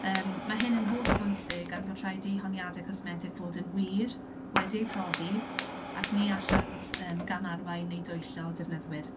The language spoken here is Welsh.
Yym, ma' hyn yn hollbwysig am fod rhaid i honiadau cosmetig fod yn wir, wedi eu profi, ac ni allant, yym, gam-arwain neu dwyllo defnyddwyr.